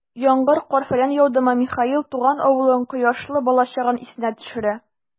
Яңгыр, кар-фәлән яудымы, Михаил туган авылын, кояшлы балачагын исенә төшерә.